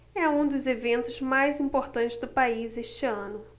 é um dos eventos mais importantes do país este ano